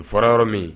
O fɔra yɔrɔ min